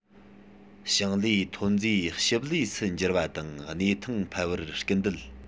ཞིང ལས ཐོན རྫས ཞིབ ལས སུ འགྱུར བ དང གནས ཐང འཕར བར སྐུལ འདེད